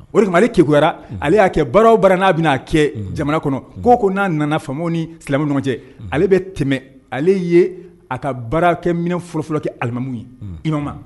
O de tuma ale kekuyara ale y'a kɛ baaraw bara n'a bɛna'a kɛ jamana kɔnɔ ko ko n'a nana faamuw ni silamɛ ni ɲɔgɔn cɛ ale bɛ tɛmɛ ale ye a ka baarakɛ minɛ fɔlɔfɔlɔ kɛ alimamu ye i ma